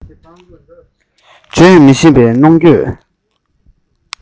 བརྗོད མི ཤེས པའི གནོང འགྱོད